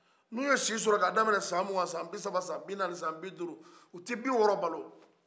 ni u ye s sɔrɔ ka daminɛ san mugan san bisaba san binaani san biduuru u tɛ san biwɔɔrɔ balo